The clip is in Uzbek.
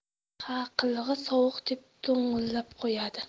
ha qilig'i sovuq deb to'ng'illab qo'yadi